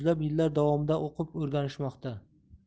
yuzlab yillar davomida o'qib o'rganishmoqda